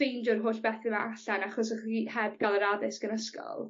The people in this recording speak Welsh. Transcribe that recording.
ffeindio'r holl bethe 'ma allan achos o'ch chi heb ga'l yr addysg yn ysgol?